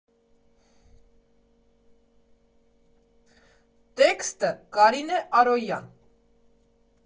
Տեքստը՝ Կարինե Արոյան։